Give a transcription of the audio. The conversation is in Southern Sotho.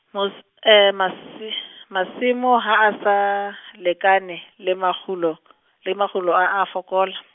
mos- masi- masimo ha a sa lekane le makgulo , le makgulo, a a fokola.